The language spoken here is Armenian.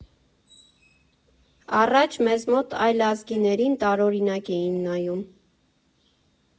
Առաջ մեզ մոտ այլազգիներին տարօրինակ էին նայում։